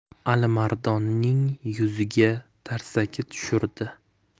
alimardonning yuziga tarsaki tushird